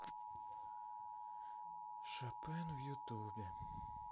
шопен в ютубе